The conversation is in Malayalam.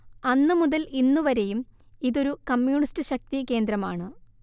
അന്നു മുതൽ ഇന്നു വരെയും ഇതൊരു കമ്മ്യൂണിസ്റ്റ് ശക്തി കേന്ദ്രമാണ്